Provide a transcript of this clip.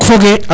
a lok foge